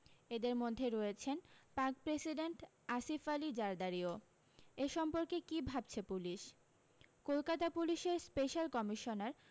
এদের মধ্যে রয়েছেন পাক প্রেসিডেন্ট আসিফ আলি জারদারিও এ সম্পর্কে কী ভাবছে পুলিশ কলকাতা পুলিশের স্পেশ্যাল কমিশনার